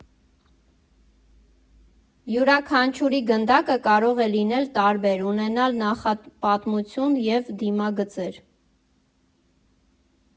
Յուրաքանչյուրի գնդակը կարող է լինել տարբեր, ունենալ նախապատմություն և դիմագծեր։